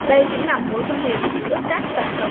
đây chính là mối quan hệ giữa các tập hợp